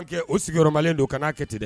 Kɛ o sigiyɔrɔmalen don kana' kɛ tɛ dɛ